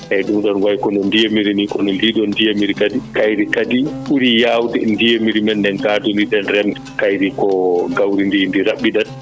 eeyi ɗum ɗon wayi kono ndemiri kono ndi ɗon ndemiri kadi kayri kadi ɓuri yaawde e ndemiri men ndi gadoriɗen remde kayri ko ko gawri ndi ndi raɓɓiɗat